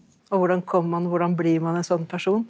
og hvordan kom man hvordan blir man en sånn person?